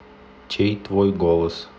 чей твой голос